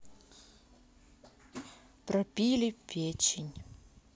пропили печень